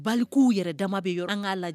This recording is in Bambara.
Baw yɛrɛ damama bɛ yɔrɔ k'a lajɛ